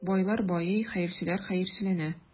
Байлар байый, хәерчеләр хәерчеләнә.